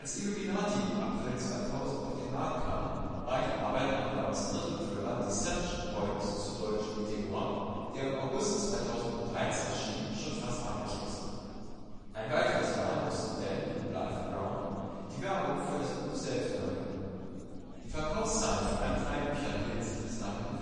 Illuminati im April 2000 auf den Markt kam, war die Arbeit an Browns drittem Thriller Deception Point (deutsch: Meteor), der im August 2001 erschien, schon fast abgeschlossen. Ein weiteres Mal mussten Dan und Blythe Brown die Werbung für das Buch selbst übernehmen. Die Verkaufszahlen für alle drei Bücher hielten sich bis dahin